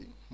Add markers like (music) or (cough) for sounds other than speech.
(hesitation) (hesitation)